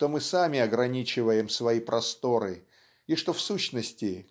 что мы сами ограничиваем свои просторы и что в сущности